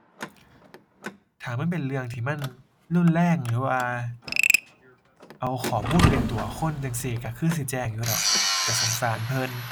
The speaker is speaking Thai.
ถ้ามันเป็นเรื่องที่มัน รุนแรงหรือว่า เอาข้อมูลไปตั๋วคนจั่งซี้ก็คือสิแจ้งอยู่ดอก ก็สงสารเพิ่น